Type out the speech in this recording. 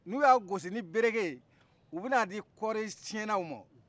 n'u ya gosi ni bereke ye u bɛ na di kɔri siyennaw ma